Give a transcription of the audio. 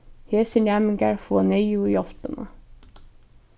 hesir næmingar fáa neyðugu hjálpina